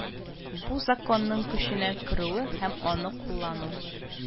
Бу Законның көченә керүе һәм аны куллану